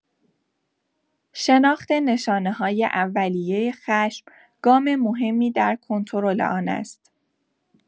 شناخت نشانه‌های اولیه خشم، گام مهمی در کنترل آن است.